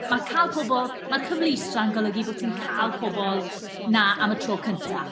Ma' cael pobl... mae cyfleustra'n golygu bod ti'n cael pobl 'na am y tro cynta.